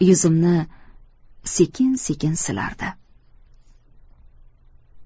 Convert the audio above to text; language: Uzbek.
yuzimni sekin sekin silardi